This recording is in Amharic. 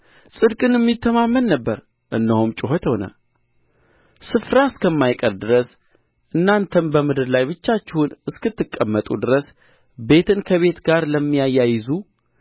ጽድቅንም ይተማመን ነበር እነሆም ጩኸት ሆነ ስፍራ እስከማይቀር ድረስ እናንተም በምድር ላይ ብቻችሁን እስክትቀመጡ ድረስ ቤትን ከቤት ጋር ለሚያያይዙ